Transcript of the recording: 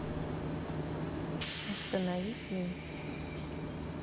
останови фильм